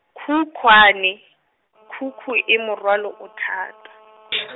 khukhwane, khukhu e morwalo o thata .